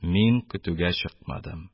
Мин көтүгә чыкмадым